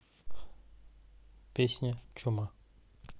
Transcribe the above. песня чума